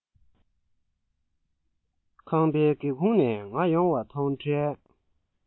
ཁང བའི སྒེའུ ཁུང ནས ང ཡོང བ མཐོང འཕྲལ